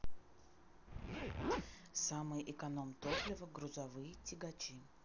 самые эконом топлива грузовые тягачи